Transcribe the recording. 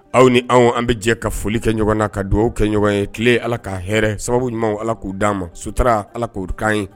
Aw ni anw an bi jɛ ka foli kɛ ɲɔgɔn na. Ka dugawu kɛ ɲɔgɔn ye kile ala ka hɛrɛ . Sababu ɲumanw ala ku da ma sutara ala ko kan ye.